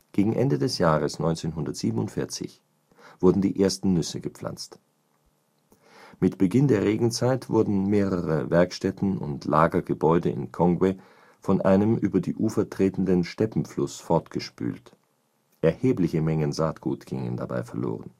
Gegen Ende des Jahres 1947 wurden die ersten Nüsse gepflanzt. Mit Beginn der Regenzeit wurden mehrere Werkstätten und Lagergebäude in Kongwe von einem über die Ufer tretenden Steppenfluss fortgespült. Erhebliche Mengen Saatgut gingen dabei verloren